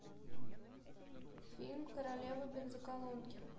фильм королева бензоколонки